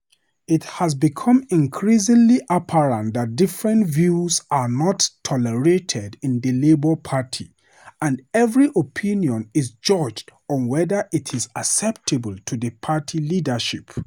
It has become increasingly apparent that differing views are not tolerated in the Labour party and every opinion is judged on whether it is acceptable to the party leadership.